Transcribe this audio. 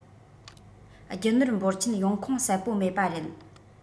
རྒྱུ ནོར འབོར ཆེན ཡོང ཁུངས གསལ པོ མེད པ རེད